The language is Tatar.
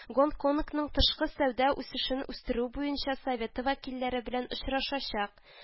Гонконгның тышкы сәүдә үсешен үстерү буенча Советы вәкилләре белән очрашачак